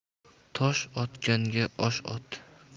tosh otganga osh ot